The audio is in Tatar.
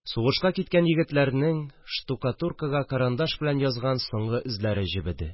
Сугышка киткән егетләрнең штукатуркага карандаш белән язган соңгы эзләре җебеде